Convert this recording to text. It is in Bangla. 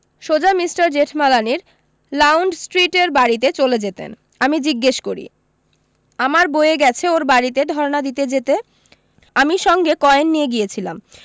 সোজা মিষ্টার জেঠমালানির লাউডন স্ট্রীটের বাড়ীতে চলে যেতেন আমি জিজ্ঞেস করি আমার বয়ে গেছে ওর বাড়ীতে ধরণা দিতে যেতে আমি সঙ্গে কয়েন নিয়ে গিয়েছিলাম